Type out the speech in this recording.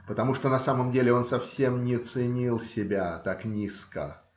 Потому что на самом деле он совсем не ценил себя так низко.